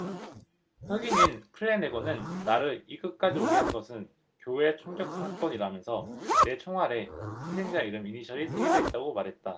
흑인인 플래내건은 나를 이 끝까지 오게 한 것은 교회 총격사건이라면서 내 총알에 희생자 이름 이니셜이 새겨져 있다고 말했다